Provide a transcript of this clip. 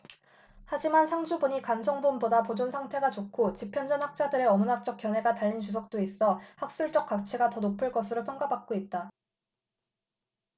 하지만 상주본이 간송본보다 보존 상태가 좋고 집현전 학자들의 어문학적 견해가 달린 주석도 있어 학술적 가치가 더 높을 것으로 평가받고 있다